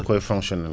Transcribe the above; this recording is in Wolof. lu koy fonctionné